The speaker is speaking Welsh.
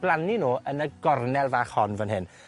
blannu nw yn y gornel fach hon fan hyn.